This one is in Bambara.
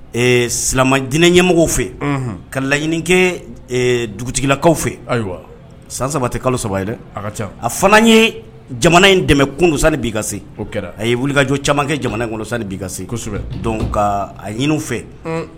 Silamɛ jinɛ ɲɛmɔgɔ fɛ kalaɲini kɛ dugutigilakaw fɛ ayiwa san saba tɛ kalo saba ye dɛ a fana ye jamana in dɛmɛkunsan bi a ye wulikajɔ camankɛ jamana insa bisɔ nka a ɲinin fɛ